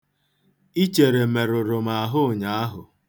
Ichere merụrụ m ahụ ụnyaahụ.